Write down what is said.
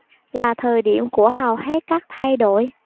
là thời điểm của hầu hết các thay đổi